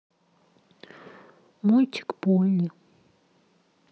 мультик полли